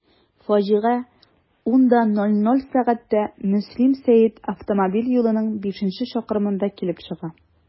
Фаҗига 10.00 сәгатьтә Мөслим–Сәет автомобиль юлының бишенче чакрымында килеп чыга.